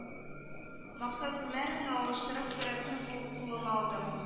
Максат гомәровны алыштырып көрәкне кулыма алдым